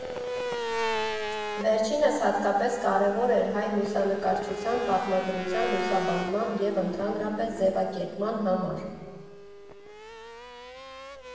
Վերջինս հատկապես կարևոր էր հայ լուսանկարչության պատմագրության լուսաբանման և ընդհանրապես ձևակերպման համար։